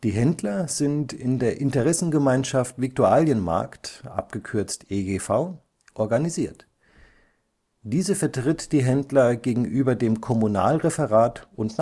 Händler sind in der Interessengemeinschaft Viktualienmarkt (IGV) organisiert. Diese vertritt die Händler gegenüber dem Kommunalreferat und